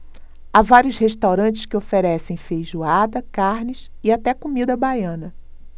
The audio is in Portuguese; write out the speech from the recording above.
há vários restaurantes que oferecem feijoada carnes e até comida baiana